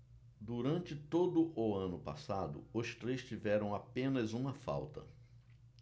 durante todo o ano passado os três tiveram apenas uma falta